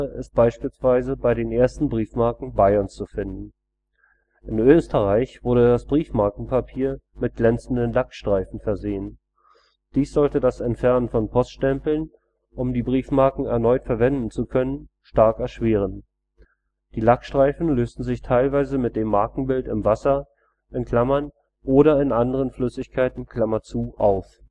ist beispielsweise bei den ersten Briefmarken Bayerns zu finden. In Österreich wurde das Briefmarkenpapier mit glänzenden Lackstreifen versehen. Dies sollte das Entfernen von Poststempeln, um die Briefmarken erneut verwenden zu können, stark erschweren. Die Lackstreifen lösten sich teilweise mit dem Markenbild im Wasser (oder anderen Flüssigkeiten) auf